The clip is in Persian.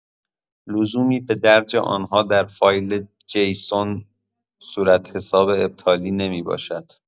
لزومی به درج آن‌ها در فایل جیسون صورتحساب ابطالی نمی‌باشد.